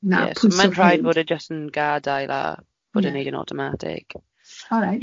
Na, pwyso hyn. Ma'n rhaid fod e jyst yn gadael a fod e'n wneud yn awtomatig. Alight.